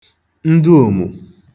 ndụòmù